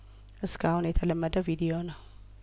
እስካሁን የተለመደው ቪዲዮ ነው